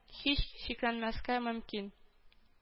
Һич шикләнмәскә мөмкин